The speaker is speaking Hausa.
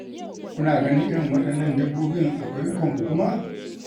Kuna ganin irin waɗannan dabbobin a ƙauyukanku?, kuma